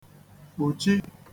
kpùchi